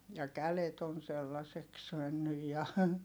ja kädet on sellaiseksi mennyt ja